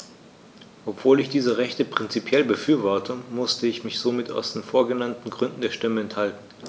Obwohl ich diese Rechte prinzipiell befürworte, musste ich mich somit aus den vorgenannten Gründen der Stimme enthalten.